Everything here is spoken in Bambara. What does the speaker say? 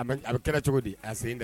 A bɛ kɛra cogo di a segin dɛ